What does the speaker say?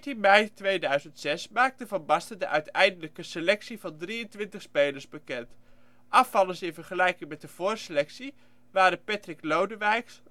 mei 2006 maakte Van Basten de uiteindelijke selectie van 23 spelers bekend. Afvallers in vergelijking met de voorselectie waren Patrick Lodewijks